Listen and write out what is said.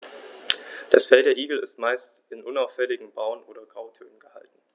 Das Fell der Igel ist meist in unauffälligen Braun- oder Grautönen gehalten.